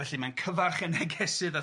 Felly mae'n cyfarch y negesydd... Ia